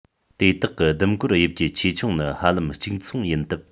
དེ དག གི ཟླུམ གོར དབྱིབས ཀྱི ཆེ ཆུང ནི ཧ ལམ གཅིག མཚུངས ཡིན སྟབས